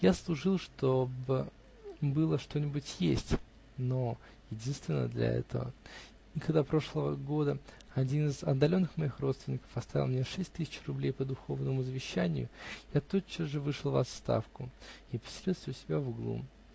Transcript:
Я служил, чтоб было что-нибудь есть (но единственно для этого), и когда прошлого года один из отдаленных моих родственников оставил мне шесть тысяч рублей по духовному завещанию, я тотчас же вышел в отставку и поселился у себя в углу.